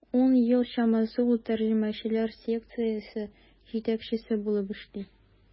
Ун ел чамасы ул тәрҗемәчеләр секциясе җитәкчесе булып эшли.